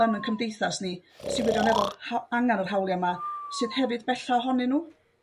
yn ein cymdeithas ni sy' wirioneddol angan yr hawlia' 'ma sydd hefyd bella' ohonyn n'w.